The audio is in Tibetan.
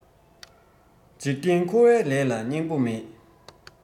འཇིག རྟེན འཁོར བའི ལས ལ སྙིང པོ མེད